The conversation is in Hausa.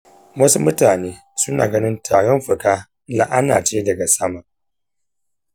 wasu mutane suna ganin tarin fuka la’ana ce daga sama.